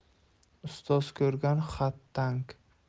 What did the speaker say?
ustoz ko'rgan xat tank